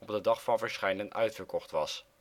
de dag van verschijnen uitverkocht was